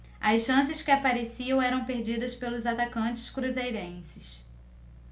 as chances que apareciam eram perdidas pelos atacantes cruzeirenses